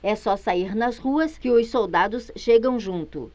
é só sair nas ruas que os soldados chegam junto